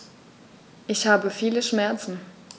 Ich habe viele Schmerzen.